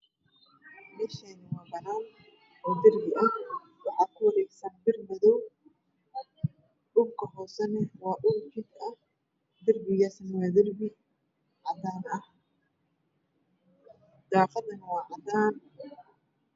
Meeshaani waa banaan oo darbi ah waxaa ku wareegsan bir dhulka hoosana wa dhul god ah daaqadana waa cadaan